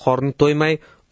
qorni to'ymay